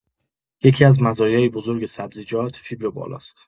یکی‌از مزایای بزرگ سبزیجات، فیبر بالا است.